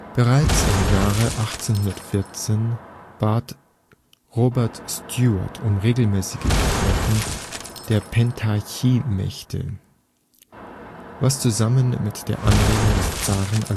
Bereits im Jahr 1814 bat Robert Stewart um regelmäßige Treffen der Pentarchiemächte, was zusammen mit der Anregung des Zaren